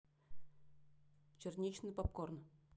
черничный попкорн